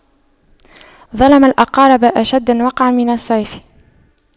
ظلم الأقارب أشد وقعا من السيف